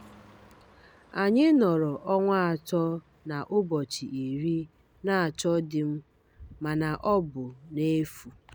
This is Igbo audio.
Anyị nọrọ ọnwa atọ na ụbọchị iri na-achọ di m, mana ọ bụ n'efu...